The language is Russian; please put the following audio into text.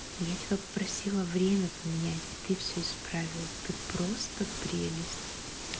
ну я тебя попросила время поменять и ты все исправила ты просто прелесть